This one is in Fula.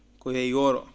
ko he yooro